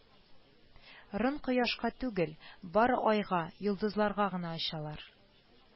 Рын кояшка түгел, бары айга, йолдызларга гына ачалар